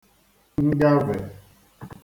ngavè